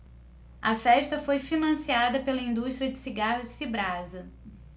a festa foi financiada pela indústria de cigarros cibrasa